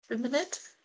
bum munud?